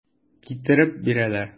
Китереп бирәләр.